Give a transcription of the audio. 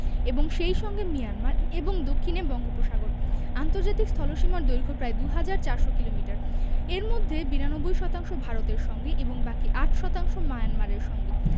এবং সেই সঙ্গে মায়ানমার এবং দক্ষিণে বঙ্গোপসাগর আন্তর্জাতিক স্থলসীমার দৈর্ঘ্য প্রায় ২হাজার ৪০০ কিলোমিটার এর মধ্যে ৯২ শতাংশ ভারতের সঙ্গে এবং বাকি ৮ শতাংশ মায়ানমারের সঙ্গে